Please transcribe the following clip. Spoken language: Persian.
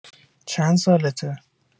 چن سالته؟